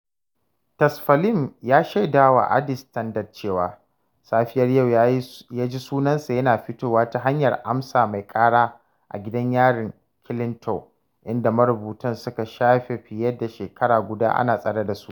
Tesfalem ya shaida wa Addis Standard cewa safiyar yau ya ji sunansa yana fitowa ta hanyar amsa mai ƙara a gidan yarin Kilinto, inda marubutan suka shafe fiye da shekara guda ana tsare da su.